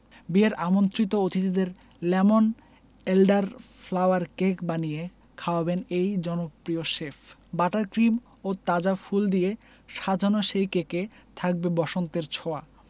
বিয়ের আমন্ত্রিত অতিথিদের লেমন এলডার ফ্লাওয়ার কেক বানিয়ে খাওয়াবেন এই জনপ্রিয় শেফ বাটার ক্রিম ও তাজা ফুল দিয়ে সাজানো সেই কেকে থাকবে বসন্তের ছোঁয়া